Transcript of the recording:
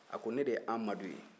a ko ne de ye amadu ye